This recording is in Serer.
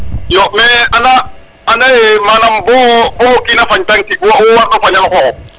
iyo me anda andaye manam bo o kina fañ tange tig wo wo warno fañan xoxof